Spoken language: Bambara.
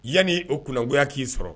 Yanii o kunangoya k'i sɔrɔ